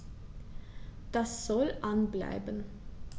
Das soll an bleiben.